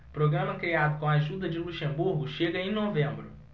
programa criado com a ajuda de luxemburgo chega em novembro